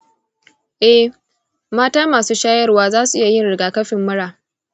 eh, mata masu shayarwa za su iya yin rigakafin mura.